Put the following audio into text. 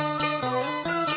nguyễn